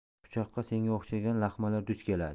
pichoqqa senga o'xshagan laqmalar duch keladi